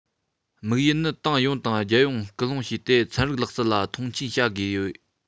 དམིགས ཡུལ ནི ཏང ཡོངས དང རྒྱལ ཡོངས སྐུལ སློང བྱས ཏེ ཚན རིག ལག རྩལ ལ མཐོང ཆེན བྱ དགོས དེ ཡིན